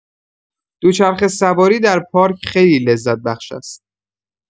دوچرخه‌سواری در پارک خیلی لذت‌بخش است.